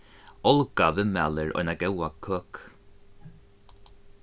olga viðmælir eina góða køku